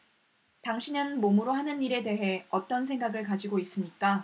당신은 몸으로 하는 일에 대해 어떤 생각을 가지고 있습니까